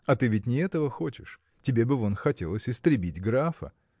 А ты ведь не этого хочешь: тебе бы вон хотелось истребить графа.